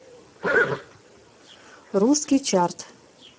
русский чарт